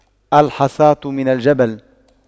الحصاة من الجبل